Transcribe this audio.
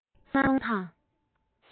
མཐོང སྣང དང